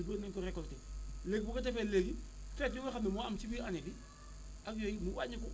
lu bëri na ñu ko récolté léegi bu ko defee léegi fête yi nga xam ne moo am ci biir année bi ak yooyu mu wàññi ko